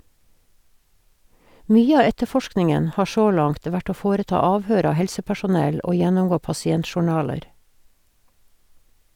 Mye av etterforskningen har så langt vært å foreta avhør av helsepersonell og gjennomgå pasientjournaler.